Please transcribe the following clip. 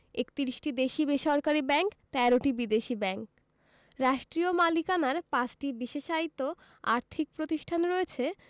৩১টি দেশী বেসরকারি ব্যাংক ১৩টি বিদেশী ব্যাংক রাষ্ট্রীয় মালিকানার ৫টি বিশেষায়িত আর্থিক প্রতিষ্ঠান রয়েছে